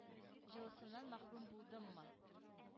Җылысыннан мәхрүм булдыммы?